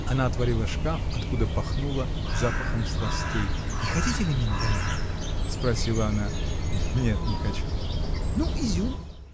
Она отворила шкаф, откуда пахнуло запахом сластей. — Не хотите ли миндалю? — спросила она. — Нет, не хочу. — Ну, изюму?